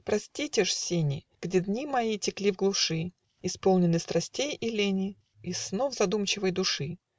Простите ж, сени, Где дни мои текли в глуши, Исполнены страстей и лени И снов задумчивой души.